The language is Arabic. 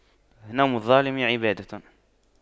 نوم الظالم عبادة